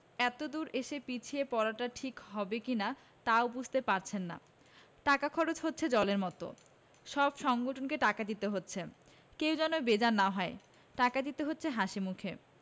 এতদূর এসে পিছিয়ে পড়াটা ঠিক হবে কি না তাও বুঝতে পারছেন না টাকা খরচ হচ্ছে জলের মত সব সংগঠনকে টাকা দিতে হচ্ছে কেউ যেন বেজার না হয় টাকা দিতে হচ্ছে হাসিমুখে